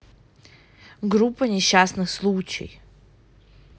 группа несчастный случай